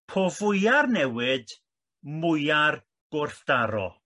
po fwya'r newid mwya'r gwrthdaro